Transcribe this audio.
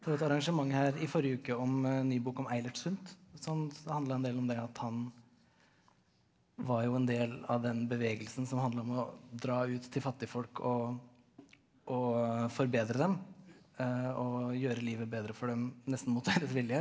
det var et arrangement her i forrige uke om ny bok om Eilert Sundt som handla en del om det at han var jo en del av den bevegelsen som handla om å dra ut til fattigfolk og og forbedre dem og gjøre livet bedre for dem nesten mot deres vilje.